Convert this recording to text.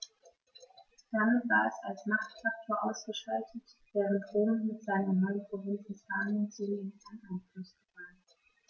Damit war es als Machtfaktor ausgeschaltet, während Rom mit seiner neuen Provinz Hispanien zunehmend an Einfluss gewann.